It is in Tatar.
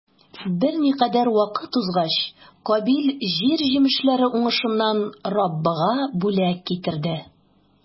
Берникадәр вакыт узгач, Кабил җир җимешләре уңышыннан Раббыга бүләк китерде.